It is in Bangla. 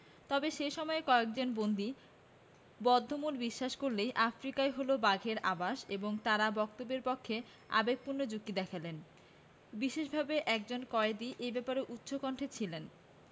তবে সে সময়ে কয়েকজন বন্দী বদ্ধমূল বিশ্বাস করলেন আফ্রিকাই হলো বাঘের আবাস এবং তারা বক্তব্যের পক্ষে আবেগপূর্ণ যুক্তি দেখালেন বিশেষভাবে একজন কয়েদি এ ব্যাপারে উচ্চকণ্ঠ ছিলেন